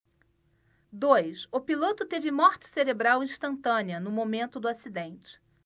dois o piloto teve morte cerebral instantânea no momento do acidente